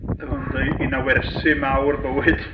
Ond yy un o wersi mawr bywyd.